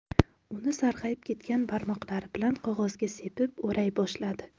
uni sarg'ayib ketgan barmoqlari bilan qog'ozga sepib o'ray boshladi